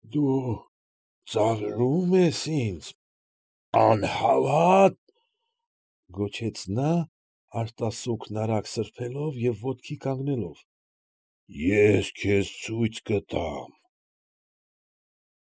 Դու ծաղրում ես ինձ, անհավատ,֊ գոչեց նա, արտասուքն արագ սրբելով և ոտքի կանգնելով,֊ ես քեզ ցույց կտամ։